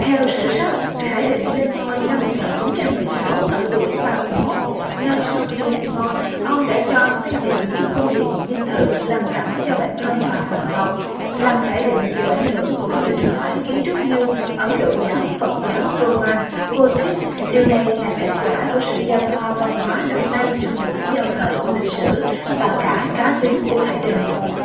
theo sử sách khải định lên ngôi năm một ngàn chín trăm mười sáu ở tuổi ba mươi mốt ngay sau khi lên ngôi ông đã cho xây dựng nhiều cung điện dinh thự lăng tẩm cho bản thân và hoàng tộc lăng khải định chịu ảnh hưởng của nhiều trường phái kiến trúc như ấn độ giáo phật giáo rô man gô thích điều này là kết quả của sự giao thoa văn hóa đông tây trong buổi giao thời của lịch sử và cả cá tính của khải định